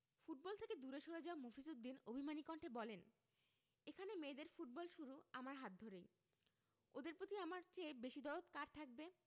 football থেকে দূরে সরে যাওয়া মফিজ উদ্দিন অভিমানী কণ্ঠে বললেন এখানে মেয়েদের ফুটবল শুরু আমার হাত ধরেই ওদের প্রতি আমার চেয়ে বেশি দরদ কার থাকবে